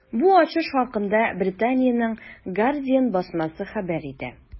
Бу ачыш хакында Британиянең “Гардиан” басмасы хәбәр итә.